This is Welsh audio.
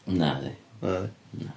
Nadi... Nadi? ...Na.